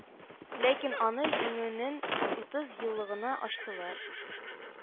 Ләкин аны җиңүнең утыз еллыгына ачтылар